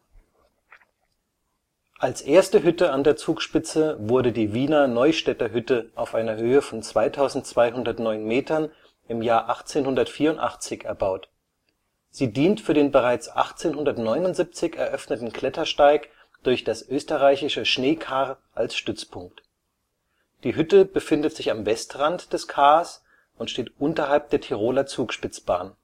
Als erste Hütte an der Zugspitze wurde die Wiener-Neustädter-Hütte (2209 m) im Jahr 1884 erbaut. Sie dient für den bereits 1879 eröffneten Klettersteig durch das Österreichische Schneekar als Stützpunkt. Die Hütte befindet sich am Westrand des Kars und steht unterhalb der Tiroler Zugspitzbahn